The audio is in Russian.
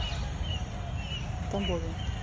в тамбове